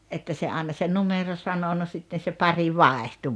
että se aina se numero sanoi no sitten se pari vaihtui